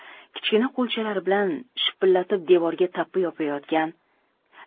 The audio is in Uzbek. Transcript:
kichkina qo'lchalari bilan shipillatib devorga tappi yopayotgan